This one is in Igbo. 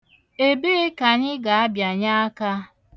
Ebee ka anyị ga-abịanye aka?